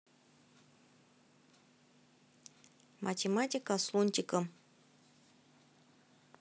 математика с лунтиком